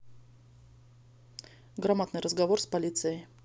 грамотный разговор с полицией